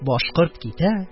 Башкорт китә,